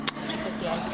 treftadiaeth?